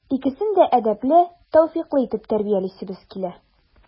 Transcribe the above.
Икесен дә әдәпле, тәүфыйклы итеп тәрбиялисебез килә.